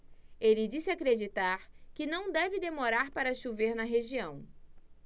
ele disse acreditar que não deve demorar para chover na região